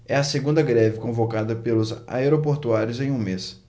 é a segunda greve convocada pelos aeroportuários em um mês